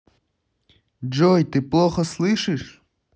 джой ты плохо слышишь